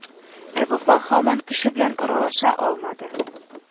Ә Вафа һаман кеше белән аралаша алмады